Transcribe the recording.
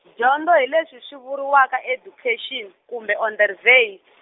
dyondzo hi leswi swi vuriwaka education kumbe onderwys.